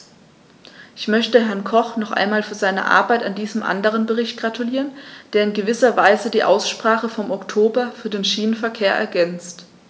Ich möchte Herrn Koch noch einmal für seine Arbeit an diesem anderen Bericht gratulieren, der in gewisser Weise die Aussprache vom Oktober über den Schienenverkehr ergänzt.